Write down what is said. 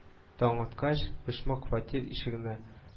Таң аткач, почмак фатир ишегенә